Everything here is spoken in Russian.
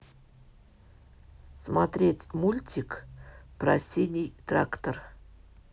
смотреть мультик про синий трактор